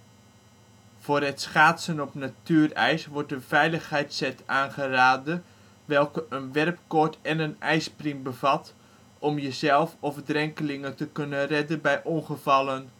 Voor het schaatsen op natuurijs wordt een veiligheidsset aangeraden, welke een werpkoord en een ijspriem bevat om jezelf of drenkelingen te kunnen redden bij ongevallen